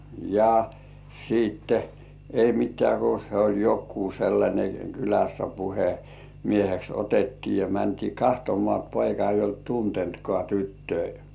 ja sitten ei mitään kun se oli joku sellainen kylässä - puhemieheksi otettiin ja mentiin katsomaan poika ei ollut tuntenutkaan tyttöjä